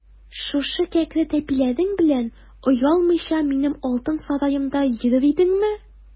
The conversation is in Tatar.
Шушы кәкре тәпиләрең белән оялмыйча минем алтын сараемда йөрер идеңме?